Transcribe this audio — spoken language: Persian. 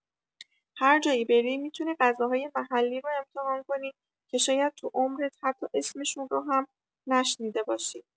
هر جایی بری، می‌تونی غذاهای محلی رو امتحان کنی که شاید تو عمرت حتی اسمشون رو هم نشنیده باشی.